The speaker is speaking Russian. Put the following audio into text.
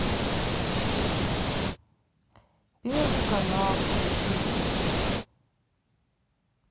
первый канал включите